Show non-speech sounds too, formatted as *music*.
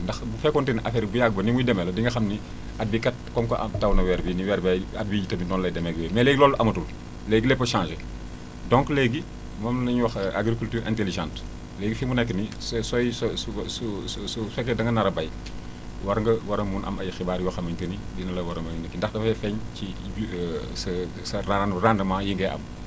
ndax bu fekkonte ne affaire bi bu yàgg ba ni muy demee la di nga xam ni at bii kat comme que *noise* a taw na weer bii nii weer bee at bii tamit noonu lay demee ak yooyu mais léegi loolu amatul léegi lépp a changé donc léegi moom la ñuy wax agriculture intelligente léegi fi mu nekk nii soo sooy su su su su fekkee da nga nar a béy war nga war a mun am ay xibaar yoo xamante ni dina la war a mun * ndax dafay feeñ ci *hesitation* sa sa rende rendement yi ngay am